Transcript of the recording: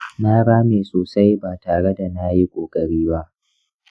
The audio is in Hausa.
na rame sosai ba tare da na yi ƙoƙari ba.